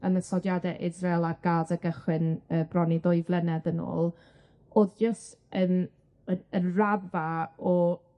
ymosodiade Israel a Gaza gychwyn yy bron i ddwy flynedd yn ôl o'dd jyst yn yy y raddfa o